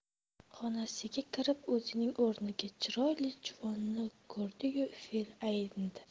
xonasiga kirib o'zining o'rnida chiroyli juvonni ko'rdiyu fe'li aynidi